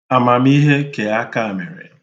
àmàmihe kèakamèrè